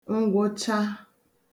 ngwụcha